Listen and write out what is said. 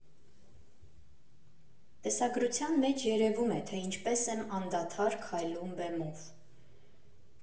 Տեսագրության մեջ երևում է, թե ինչպես եմ անդադար քայլում բեմով։